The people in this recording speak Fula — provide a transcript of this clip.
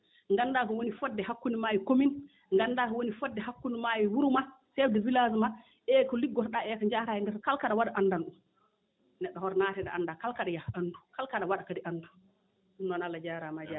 nganndaa ko woni fodde hakkunde maa e commune nganndaa ko woni fodde maa e wuro maa chef de village maa e ko ko liggotoɗaa e eko njahataa e ngesa kala ko aɗa waɗa anndan ɗum neɗɗo hoto naat he ɗo anndaa kala kaɗa yaha anndu kala ko aɗa waɗa kadi yo a anndu ɗum noon Allah jaaraama a jaaraama